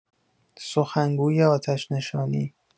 سخنگوی آتش‌نشانی